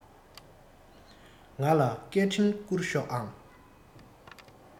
ང ལ སྐད འཕྲིན བསྐུར ཤོག ཨང